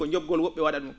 ko njogol wo??e wa?a ?um